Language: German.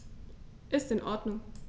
Ist in Ordnung.